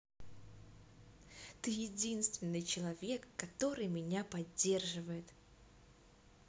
ты единственный человек который меня поддерживает